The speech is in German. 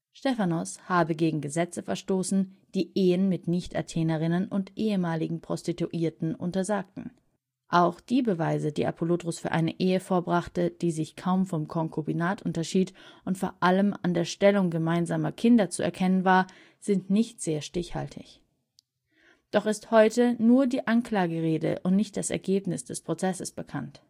Stephanos habe gegen Gesetze verstoßen, die Ehen mit Nicht-Athenerinnen und ehemaligen Prostituierten untersagten. Auch die Beweise, die Apollodoros für eine Ehe vorbrachte – die sich kaum vom Konkubinat unterschied und vor allem an der Stellung gemeinsamer Kinder zu erkennen war – sind nicht sehr stichhaltig. Doch ist heute nur noch die Anklagerede und nicht das Ergebnis des Prozesses bekannt